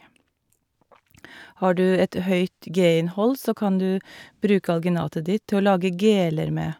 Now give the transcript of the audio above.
Har du et høyt G-innhold, så kan du bruke alginatet ditt til å lage geler med.